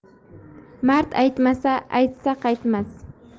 mard aytmas aytsa qaytmas